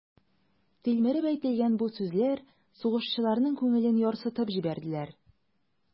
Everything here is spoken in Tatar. Тилмереп әйтелгән бу сүзләр сугышчыларның күңелен ярсытып җибәрделәр.